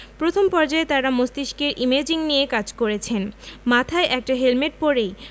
প্রথম পর্যায়ে তারা মস্তিষ্কের ইমেজিং নিয়ে কাজ করেছেন মাথায় একটা হেলমেট পরেই